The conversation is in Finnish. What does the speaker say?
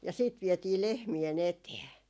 ja sitten vietiin lehmien eteen